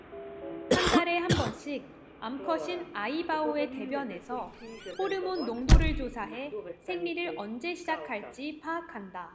한 달에 한 번씩 암컷인 아이바오의 대변에서 호르몬 농도를 조사해 생리를 언제 시작할지 파악한다